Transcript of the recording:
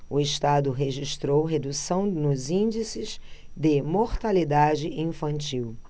o estado registrou redução nos índices de mortalidade infantil